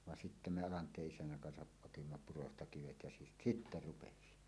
vaan sitten me Alanteen isännän kanssa otimme purosta kivet ja - sitten rupesi